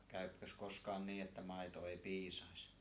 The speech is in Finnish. käykös koskaan niin että maito ei piisaisi